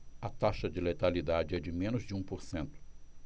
a taxa de letalidade é de menos de um por cento